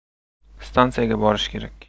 stansiyaga borish kerak